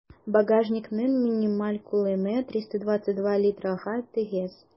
Багажникның минималь күләме 322 литрга тигез.